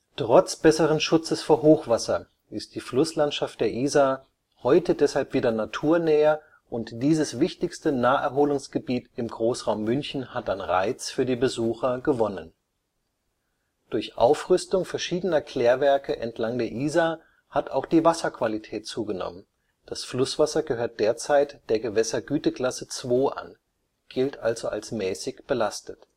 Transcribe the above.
Trotz besseren Schutzes vor Hochwasser ist die Flusslandschaft der Isar heute deshalb wieder naturnäher und dieses wichtigste Naherholungsgebiet im Großraum München hat an Reiz für die Besucher gewonnen. Durch Aufrüstung verschiedener Klärwerke entlang der Isar hat auch die Wasserqualität zugenommen, das Flusswasser gehört derzeit der Gewässergüteklasse II an, gilt also als mäßig belastet